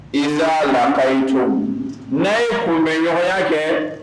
N laka ɲi c ne ye kun bɛ nɔgɔya kɛ